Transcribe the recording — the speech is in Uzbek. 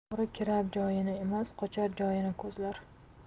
o'g'ri kirar joyini emas qochar joyini ko'zlar